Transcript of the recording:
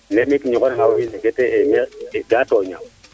*